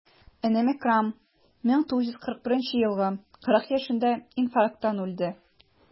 Энем Әкрам, 1941 елгы, 40 яшендә инфаркттан үлде.